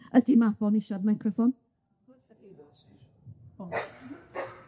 Yd Mabon isio'r meicroffon?